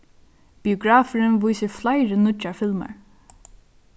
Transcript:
biografurin vísir fleiri nýggjar filmar